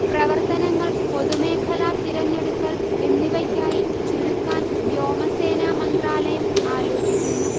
പ്രവർത്തനങ്ങൾ പൊതുമേഖലാ തിരഞ്ഞെടുക്കൽ എന്നിവയ്ക്കായി ചുരുക്കാൻവ്യോമസേന മന്ത്രാലയം ആലോചിക്കുന്നു